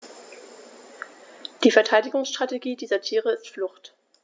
Die Verteidigungsstrategie dieser Tiere ist Flucht.